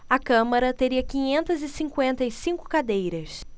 a câmara teria quinhentas e cinquenta e cinco cadeiras